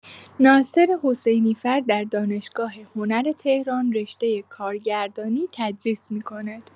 ناصر حسینی‌فر در دانشگاه هنر تهران رشته کارگردانی تدریس می‌کند.